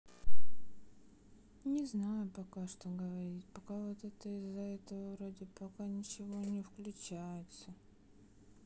не знаю пока что говорить пока вот это из за этого вроде пока ничего не включается